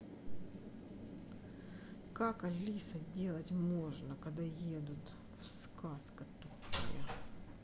как алиса делать можно когда едут в сказка тупая